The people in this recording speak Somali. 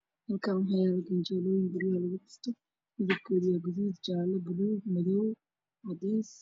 Meshaan waxaa yaalo gan jeeloyin guryaha lagu dhisto midab koodu yahay cadaan, madow, buluug